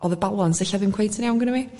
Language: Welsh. o'dd y balans ella ddim cweit yn iawn gyno fi